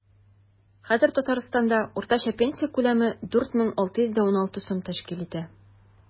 Хәзер Татарстанда уртача пенсия күләме 9616 сум тәшкил итә.